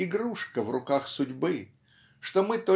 игрушка в руках судьбы, что мы